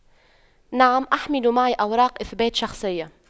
نعم احمل معي أوراق اثبات شخصية